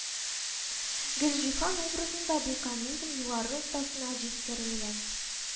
Гөлҗиһан образында бу комизм югары ноктасына җиткерелгән